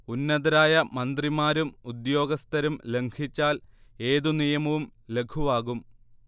ഉന്നതരായ മന്ത്രിമാരും ഉദ്യോഗസ്ഥരും ലംഘിച്ചാൽ ഏത് നിയമവും ലഘുവാകും